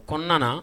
Kɔɔna na